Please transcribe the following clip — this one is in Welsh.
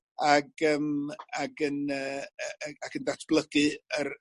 ...ag yym ag yn yy yy ac yn datblygu yr